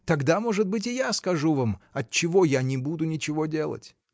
Тогда, может быть, и я скажу вам, отчего я не буду ничего делать.